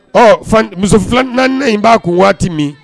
Ɔ fan muso fila naaninan in b'a kun waati min